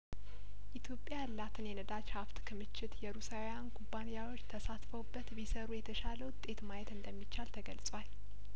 ኢትዮጵያ ያላትን የነዳጅ ሀብት ክምችት የሩሳውያን ኩባንያዎች ተሳትፈውበት ቢሰሩ የተሻለ ውጤት ማየት እንደሚቻል ተገልጿል